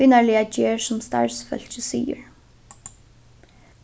vinarliga ger sum starvsfólkið sigur